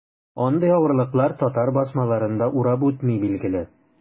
Андый авырлыклар татар басмаларын да урап үтми, билгеле.